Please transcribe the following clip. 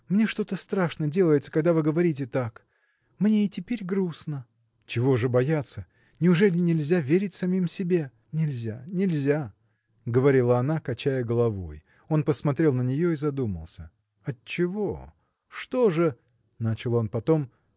мне что-то страшно делается, когда вы говорите так. Мне и теперь грустно. – Чего же бояться? Неужели нельзя верить самим себе? – Нельзя, нельзя! – говорила она, качая головой. Он посмотрел на нее и задумался. – Отчего? Что же – начал он потом